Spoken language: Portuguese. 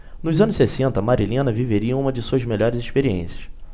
nos anos sessenta marilena viveria uma de suas melhores experiências